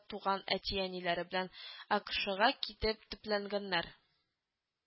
Туган әти-әниләре белән акшэгә килеп төпләнгәннәр